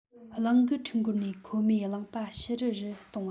རླངས སྒུལ འཕྲུལ འཁོར ནས མཁོ མེད རླངས པ ཕྱུ རུ རུ གཏོང བ